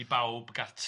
I bawb gartref.